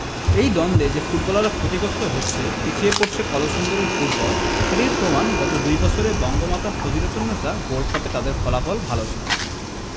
এই দ্বন্দ্বে যে ফুটবলাররা ক্ষতিগ্রস্ত হচ্ছে পিছিয়ে পড়ছে কলসিন্দুরের ফুটবল সেটির প্রমাণ গত দুই বছরে বঙ্গমাতা ফজিলাতুন্নেছা গোল্ড কাপে তাদের ফলাফল ভালো ছিল না